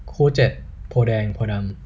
คู่เจ็ดโพธิ์แดงโพธิ์ดำ